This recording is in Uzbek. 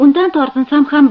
undan tortinsam ham